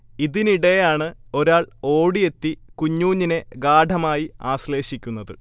ഇതിനിടെയാണ് ഒരാൾ ഓടിയെത്തി കുഞ്ഞൂഞ്ഞിനെ ഗാഢമായി ആശ്ളേഷിക്കുന്നത്